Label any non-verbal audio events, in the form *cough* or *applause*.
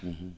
*hesitation* *hesitation*